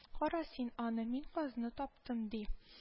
— кара син аны. мин казна таптым, — ди